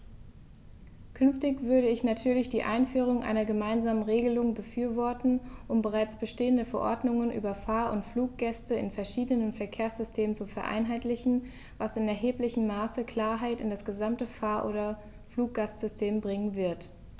Künftig würde ich natürlich die Einführung einer gemeinsamen Regelung befürworten, um bereits bestehende Verordnungen über Fahr- oder Fluggäste in verschiedenen Verkehrssystemen zu vereinheitlichen, was in erheblichem Maße Klarheit in das gesamte Fahr- oder Fluggastsystem bringen wird.